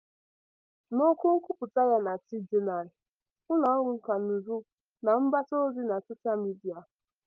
N'okwu nkwupụta ya na TJournal, ụlọọrụ nkànaụzụ na mgbasaozi soshal midịa.